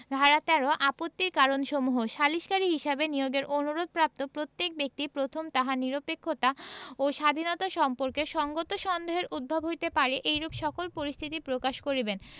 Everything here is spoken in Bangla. ধারা ১৩ আপত্তির কারণসমূহ সালিসকারী হিসাবে নিয়োগের অনুরোধ প্রাপ্ত প্রত্যেক ব্যক্তি প্রথম তাহার নিরপেক্ষতা ও স্বাধীনতা সম্পর্কে সঙ্গত সন্দেহের উদ্ভব হইতে পারে এইরূপ সকল পরিস্থিতি প্রকাশ করিবেন